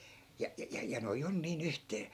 ja ja ja nuo on niin yhteen